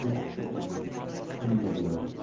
nega oqsoqligini hamma biladi